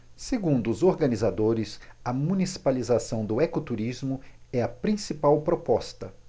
segundo os organizadores a municipalização do ecoturismo é a principal proposta